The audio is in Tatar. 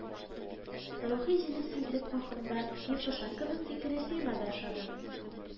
Рухи җенессезлек хакындагы Евтушенконың фикере сиңа да ошады